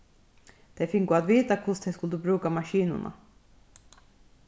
tey fingu at vita hvussu tey skuldu brúka maskinuna